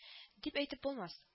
Дип әйтеп булмас